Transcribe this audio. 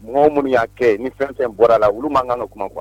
Mɔgɔw minnu y'a kɛ ni fɛn fɛn bɔra a la olu mankan kan kuma kuwa